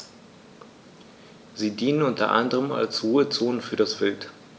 Sie dienen unter anderem als Ruhezonen für das Wild.